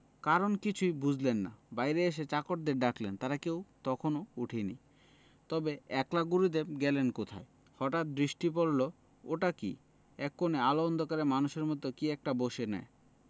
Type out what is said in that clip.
কারণ কিছুই বুঝলেন না বাইরে এসে চাকরদের ডাকলেন তারা কেউ তখনও ওঠেনি তবে একলা গুরুদেব গেলেন কোথায় হঠাৎ দৃষ্টি পড়ল ওটা কি এক কোণে আলো অন্ধকারে মানুষের মত কি একটা বসে না